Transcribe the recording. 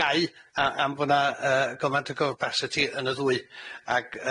gau a am bo' 'na yy gymaint o gopasiti yn y ddwy ag